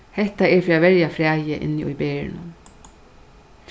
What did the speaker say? hetta er fyri at verja fræið inni í berinum